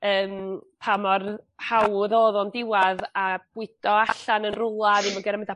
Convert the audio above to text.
yym pa mor hawdd o'dd o'n diwadd a bwydo allan yn rwla ddim yn gor'o' mynd â